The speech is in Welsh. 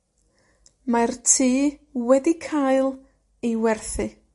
Mae'r tŷ wedi cael ei werthu.